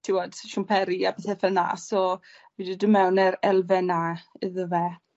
t'wod siwmperi a pethe ffel 'na so fi 'di dod mewn e'r elfen 'na iddo fe.